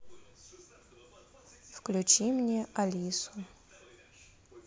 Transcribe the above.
включи мне алису